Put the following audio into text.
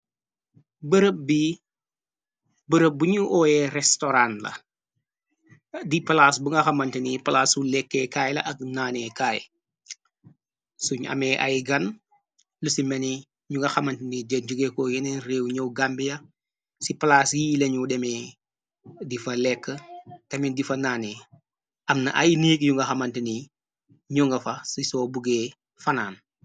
Bërëb, buñu ooye restaran la, di palaas bu nga xamanti ni palaasu lekkee kaayla ak naanee kaay, suñ amee ay gan lu ci meni ñu nga xamant ni jën jogekoo yeneen réew ñëw gàmbiya, ci palaas yiy lañu demee difa lekk tamin difa naanee, amna ay niig yu nga xamant ni ño nga fax, ci soo buggee fanaan.